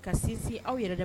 Ka sinsin aw yɛrɛ